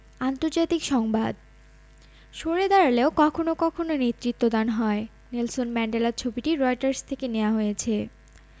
আন্তর্জাতিক সংবাদ সরে দাঁড়ালেও কখনো কখনো নেতৃত্বদান হয় নেলসন ম্যান্ডেলার ছবিটি রয়টার্স থেকে নেয়া হয়েছে